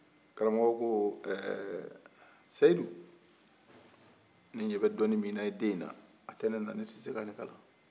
karamɔgɔ ko ɛɛɛ seyidu ne ɲɛ bɛ dɔnin min na i den in na a tɛ ne na ne tɛ se ka nin kalan